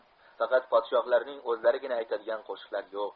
faqat podshohlarning o'zlarigina aytadigan qo'shiqlar yo'q